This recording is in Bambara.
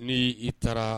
Ni i taara